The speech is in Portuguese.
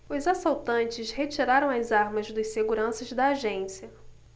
os assaltantes retiraram as armas dos seguranças da agência